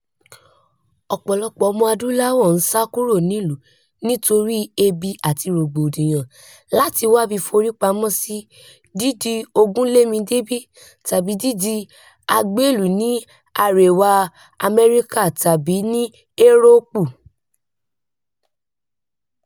Ọ̀pọ̀lọpọ̀ Ọmọ-adúláwọ̀ ń sá kúrò nílùú nítorí ebi àti rògbòdìyàn, láti wábi forí pamọ́ sí, dídi ogúnlémidébí tàbí dídi agbélùú ní Àréwá Amẹ́ríkà tàbí ní Éróòpù.